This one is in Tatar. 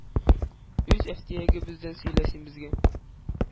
Үз әфтиягебездән сөйлә син безгә,-